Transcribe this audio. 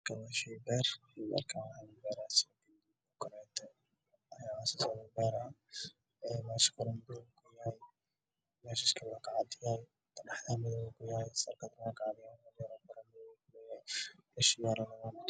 Beesha lahaa yaalo qalabka lagu fiiriyo waxyaabaha ilma aragtida rkiisana waa dan hoosna madow